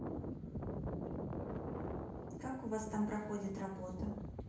как у вас там проходит работа